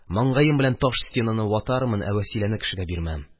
Маңгаем белән таш стенаны ватармын, ә Вәсиләне кешегә бирмәм.